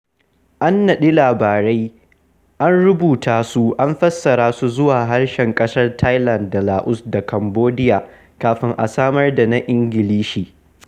An naɗi labarai, an rubuta su an fassara su zuwa harsunan ƙasar Thailand da Laos da Cambodiya kafin a samar da na Ingilishi.